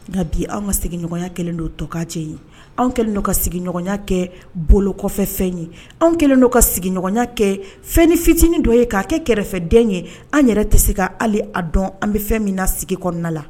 Nka bi anw ka sigiɲɔgɔnya kelen don tokan cɛ ye anw kɛlen ka sigiɲɔgɔnya kɛ bolo kɔfɛfɛn ye anw kɛlen don ka sigiɲɔgɔnya kɛ fɛn ni fitinin dɔ ye ka'a kɛ kɛrɛfɛden ye an yɛrɛ tɛ se k' hali a dɔn an bɛ fɛn min na sigi kɔnɔna la